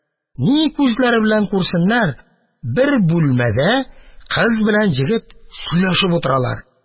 Ни күзләре белән күрсеннәр, бер бүлмәдә кыз белән егет сөйләшеп утыралар